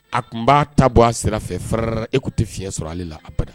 A tun b'a ta bɔ a sira fɛ fara e tun tɛ fiɲɛyɛn sɔrɔ ale la ada